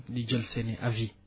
ñu jël seen i avis